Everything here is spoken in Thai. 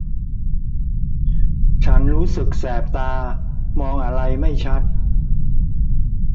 ฉันรู้สึกแสบตามองอะไรไม่ชัด